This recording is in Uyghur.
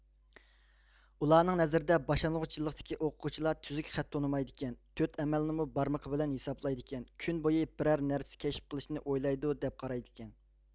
ئۇلارنىڭ نەزىرىدە باشلانغۇچ يىللىقتىكى ئوقۇغۇچىلار تۈزۈك خەت تونۇمايدىكەن تۆت ئەمەلنىمۇ بارمىقى بىلەن ھېسابلايدىكەن كۈنبويى بىرەر نەرسە كەشپ قىلىشنى ئويلايدۇ دەپ قارايدىكەن